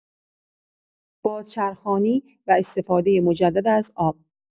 بازچرخانی و استفادۀ مجدد از آب